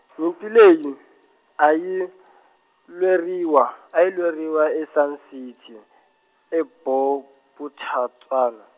nyimpi leyi, a yi , lweriwa, a yi lweriwa e- Sun City, e- Bophuthatswana.